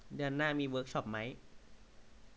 เดือนหน้ามีเวิคช็อปมั้ย